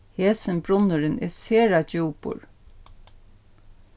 hesin brunnurin er sera djúpur